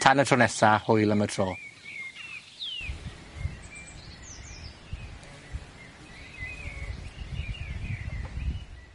tan y tro nesa, hwyl am y tro.